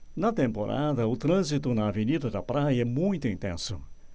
na temporada o trânsito na avenida da praia é muito intenso